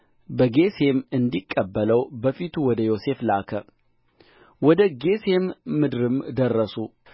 የሄልዮቱ ከተማ ካህን የጶጥፌራ ልጅ አስናት የወለደቻቸው ናቸው የብንያምም ልጆች ቤላ